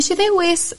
Neshi ddewis